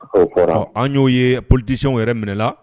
O kɔrɔ an y'o ye polisiyw yɛrɛ minɛ na